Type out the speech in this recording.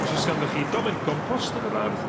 os o's ganddoch chi domen gompost yn yr ardd